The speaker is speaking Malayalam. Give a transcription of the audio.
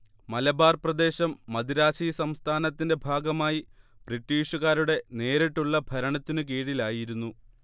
മലബാർ പ്രദേശം മദിരാശി സംസ്ഥാനത്തിന്റെ ഭാഗമായി ബ്രിട്ടീഷുകാരുടെ നേരിട്ടുള്ള ഭരണത്തിനു കീഴിലായിരുന്നു